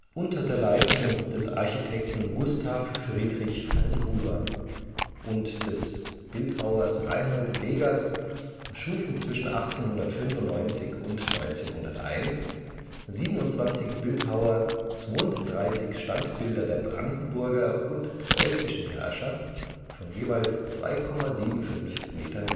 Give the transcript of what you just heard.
Unter der Leitung des Architekten Gustav Friedrich Halmhuber und des Bildhauers Reinhold Begas schufen zwischen 1895 und 1901 27 Bildhauer 32 Standbilder der Brandenburger und preußischen Herrscher von jeweils 2,75 Meter